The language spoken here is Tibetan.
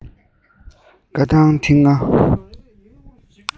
བཀའ ཐང ལྡེ ལྔ